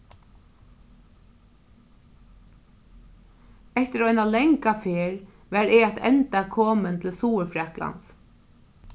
eftir eina langa ferð var eg at enda komin til suðurfraklands